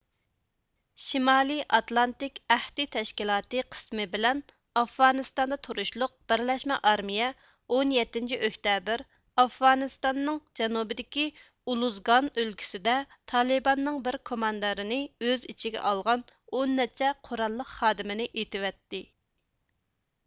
شىمالي ئاتلانتىك ئەھدى تەشكىلاتى قىسمى بىلەن ئافغانىستاندا تۇرۇشلۇق بىرلەشمە ئارمىيە ئون يەتتىنچى ئۆكتەبىر ئافغانىستاننىڭ جەنۇبىدىكى ئۇلۇزگان ئۆلكىسىدە تالىباننىڭ بىر كوماندىرنى ئۆز ئىچىگە ئالغان ئون نەچچە قۇراللىق خادىمىنى ئېتىۋەتتى